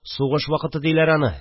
Сугыш вакыты диләр аны